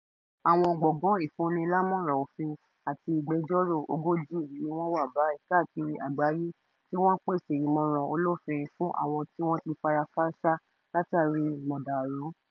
Àwọn Gbọ̀ngán Ìfúnnilámọ̀ràn Òfin àti Ìgbẹjọ́rò 40 ni wọ́n wà báyìí káàkiri àgbáyé tí wọ́n ń pèsè ìmọ̀ràn olófin fún àwọn tí wọ́n ti fara káásá látààrí mọ̀dàrú.